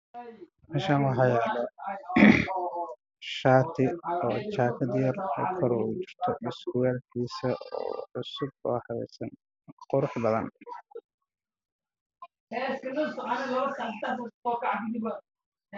Meeshaan waxa yaalo shaati oo jaakad yar kor ooga jirto oo qurux badan